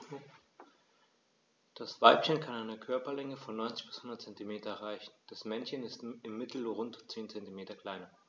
Das Weibchen kann eine Körperlänge von 90-100 cm erreichen; das Männchen ist im Mittel rund 10 cm kleiner.